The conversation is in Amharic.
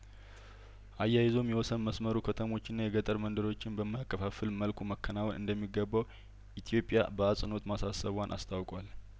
አያይዞም የወሰን መስመሩ ከተሞችን የገጠር መንደሮችን በማይከፋፍል መልኩ መ ከናወን እንደሚገባው ኢትዮጵያ በአጽንኦት ማሳሰቧን አስታውቋል